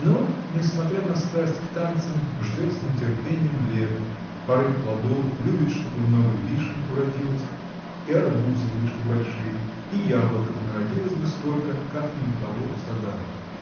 Но, несмотря на страсть к танцам, ждет с нетерпением лета, поры плодов, любит, чтобы много вишень уродилось и арбузы вышли большие, а яблоков народилось бы столько, как ни у кого в садах.